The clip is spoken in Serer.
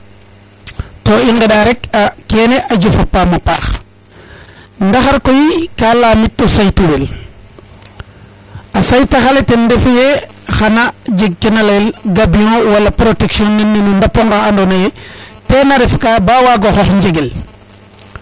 to i geɗa rek kene a jofa paam a paax ndaxar koy ka lamit a soytu wel a saxtaxale ten refu ye xana jeg ken leyel gambiyo wala protection naneno ndapo nga nado naye tena ref ka ba wago xox njegel